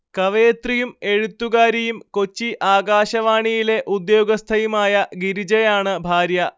കവയിത്രിയും എഴുത്തുകാരിയും കൊച്ചി ആകാശവാണിയിലെ ഉദ്യോഗസ്ഥയുമായ ഗിരിജയാണ് ഭാര്യ